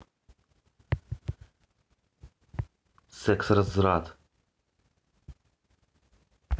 секс разврат